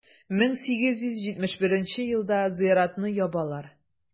1871 елда зыяратны ябалар.